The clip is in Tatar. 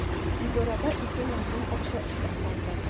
Тиз арада 2000 сум акча эшләп алды.